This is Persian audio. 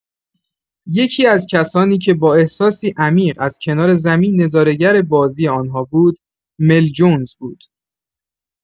یکی‌از کسانی که با احساسی عمیق از کنار زمین نظاره‌گر بازی آنها بود، مل جونز بود.